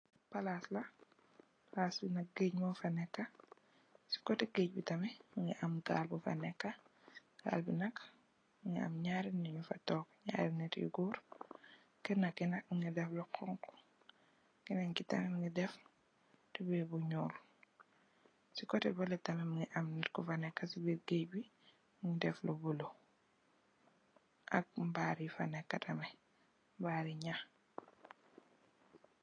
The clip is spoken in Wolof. Palaas la, palaas bi nak gèej mo fa nekka. Ci kotè gèej bi tamit mungi am gaal bu fa nekka. Gaal bi nak mungi am ñaari nit nu fa toog, naari nit nu gòor. Kenen ki nak mungi deff lu honku. Kenen ki tamit mungi deff tubeye bu ñuul. ci kotè balè tamit mungi am nit Ku fa nekka ci biir gèej bi mu deff lu bulo ak baar yu nekka tamit, baari nëh.